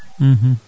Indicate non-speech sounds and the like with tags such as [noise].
[hesitation] [hesitation]